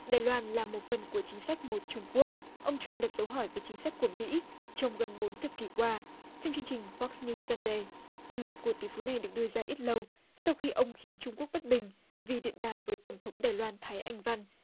đài loan là một phần của chính sách một trung quốc ông trăm đặt dấu hỏi về chính sách của mỹ trong gần bốn thập kỷ qua trong chương trình phóc niu săn đây bình luận của tỷ phú này được đưa ra ít lâu sau khi ông khiến trung quốc bất bình vì điện đàm với tổng thống đài loan thái anh văn